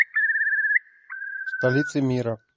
столицы мира